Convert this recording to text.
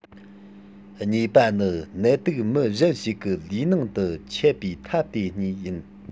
གཉིས པ ནི ནད དུག མི གཞན ཞིག གི ལུས ནང དུ མཆེད པའི ཐབས དེ གཉིས ཡིན